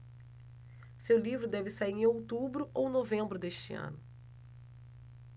seu livro deve sair em outubro ou novembro deste ano